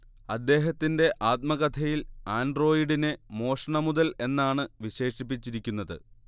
അദ്ദേഹത്തിന്റെ ആത്മകഥയിൽ ആൻഡ്രോയിഡിനെ മോഷണ മുതൽ എന്നാണ് വിശേഷിപ്പിച്ചിരിക്കുന്നത്